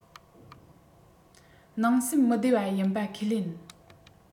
ནང སེམས མི བདེ བ ཡིན པ ཁས ལེན